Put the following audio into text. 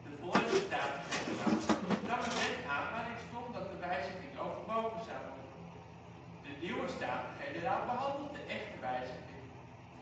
de vorige Staten-Generaal nam een wet aan waarin stond dat een wijziging overwogen zou worden. De nieuwe Staten-Generaal behandelt de echte wijziging.